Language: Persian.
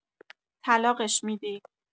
طلاقش می‌دی!